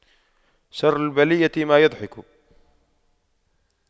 شر البلية ما يضحك